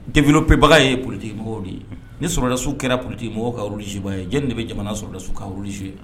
Développé baga ye politikimɔgɔw de ye, ni sɔrɔdasiw kɛra politikimɔgɔw ka rôle joué baga ye jɔni de bɛ jamana sɔrɔdasiw ka rôle joué